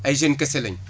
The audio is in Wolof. ay jeunes kese lañ